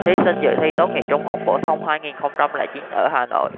thí sinh dự thi tốt nghiệp trung học phổ thông hai nghìn không trăm lẻ chín ở hà nội